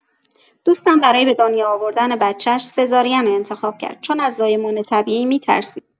دوستم برای به دنیا آوردن بچه‌ش سزارین رو انتخاب کرد چون از زایمان طبیعی می‌ترسید.